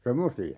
semmoisia